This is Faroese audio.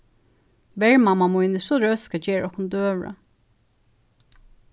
vermamma mín er so røsk at gera okkum døgurða